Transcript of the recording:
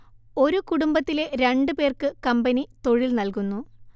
ഒരു കുടുംബത്തിലെ രണ്ട് പേർക്ക് കമ്പനി തൊഴിൽ നൽകുന്നു